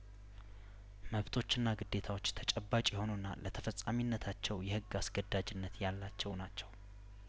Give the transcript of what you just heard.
መብቶችና ግዴታዎች ተጨባጭ የሆኑና ለተፈጻሚነታቸው የህግ አስገዳጅነት ያላቸው ናቸው